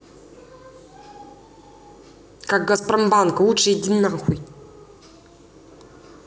как газпромбанк лучше иди нахуй